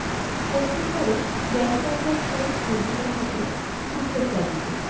পক্ষান্তরে জ্ঞানচর্চার ফল সঞ্চিত থাকে পুস্তকরাজিতে